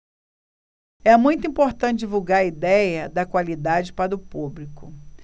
é muito importante divulgar a idéia da qualidade para o público